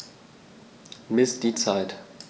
Miss die Zeit.